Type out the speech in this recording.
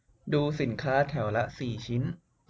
ดูสินค้าแถวละสี่ชิ้น